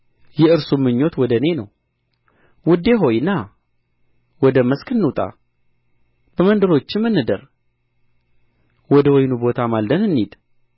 የእርሱም ምኞት ወደ እኔ ነው ውዴ ሆይ ና ወደ መስክ እንውጣ በመንደሮችም እንደር ወደ ወይኑ ቦታ ማልደን እንሂድ